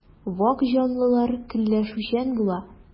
Вак җанлылар көнләшүчән була.